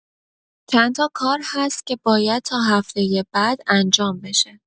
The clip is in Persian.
چندتا کار هست که باید تا هفتۀ بعد انجام بشه.